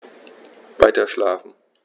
Weiterschlafen.